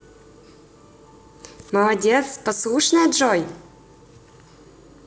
молодец послушная джой